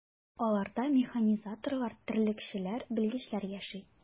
Аларда механизаторлар, терлекчеләр, белгечләр яши.